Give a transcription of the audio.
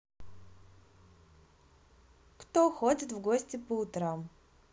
кто ходит в гости по утрам